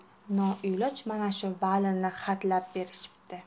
noiloj mana shu valini xatlab berishibdi